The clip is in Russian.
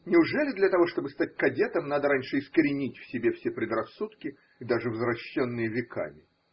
Неужели для того, чтобы стать кадетом, надо раньше искоренить в себе все предрассудки, даже взрощенные веками?